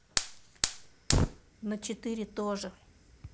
на четыре тоже